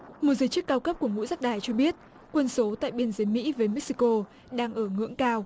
một giới chức cao cấp của ngũ giác đài cho biết quân số tại biên giới mỹ với mê xi cô đang ở ngưỡng cao